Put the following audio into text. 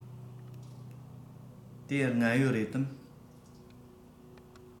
དེ སྔ ཡོད རེད དམ